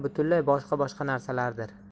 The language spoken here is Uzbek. butunlay boshqa boshqa narsalardir